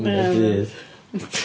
Y dydd!